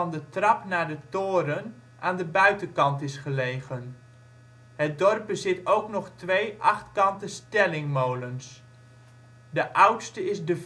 de trap naar de toren aan de buitenkant is gelegen. Het dorp bezit ook nog twee achtkante stellingmolens. De oudste is De